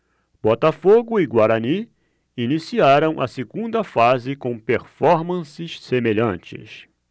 botafogo e guarani iniciaram a segunda fase com performances semelhantes